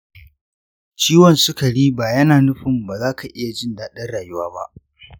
ciwon sukari ba yana nufin ba za ka iya jin daɗin rayuwa ba.